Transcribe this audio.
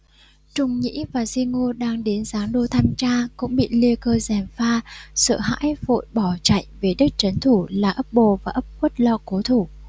trùng nhĩ và di ngô đang đến giáng đô thăm cha cũng bị ly cơ gièm pha sợ hãi vội bỏ chạy về đất trấn thủ là ấp bồ và ấp khuất lo cố thủ